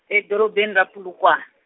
edorobeni ra Polokwane.